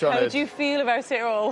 How do you feel about it all?